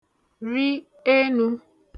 rị enū